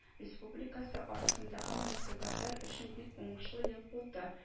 Республикасы арасындагы мөнәсәбәтләр өчен бик уңышлы ел булды